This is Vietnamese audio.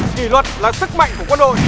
kỷ luật là sức mạnh của quân đội